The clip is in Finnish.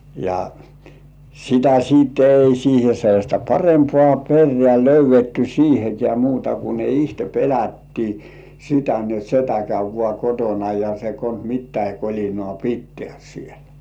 ja sitä sitten ei siihen sellaista parempaa perää löydetty siihenkään muuta kuin ne itse pelättiin sitä niin jotta setä käy vain kotona ja se konsa mitäkin kolinoita pitää siellä